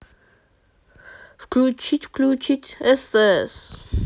включить включить стс